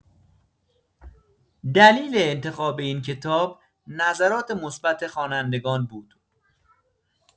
دلیل انتخاب این کتاب، نظرات مثبت خوانندگان بود.